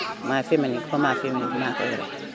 may feminin groupement feminin bi maa ko yore